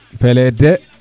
felee de